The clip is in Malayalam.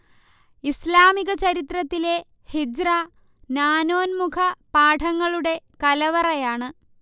ഇസ്ലാമിക ചരിത്രത്തിലെ ഹിജ്റ നാനോന്മുഖ പാഠങ്ങളുടെ കലവറയാണ്